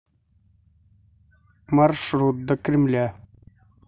маршрут до кремля